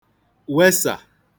wesà